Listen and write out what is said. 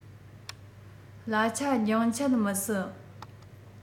གླ ཆ འགྱངས ཆད མི སྲིད